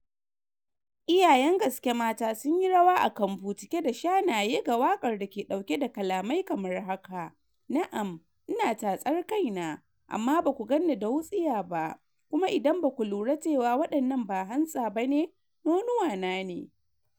Iyayen gaske mata sunyi rawa a kambu-cike da shanaye ga wakar da ke dauke da kalamai kamar haka: "Na'am, ina tatsar kaina, amma baku ganni da wutsiya ba" kuma "Idan ba ku lura cewa wadannan ba hantsa bane, nonuwa na ne."